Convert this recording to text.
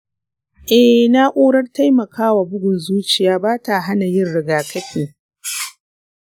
eh, na'urar taimaka wa bugun zuciya ba ta hana yin rigakafi.